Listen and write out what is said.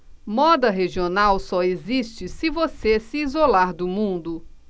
moda regional só existe se você se isolar do mundo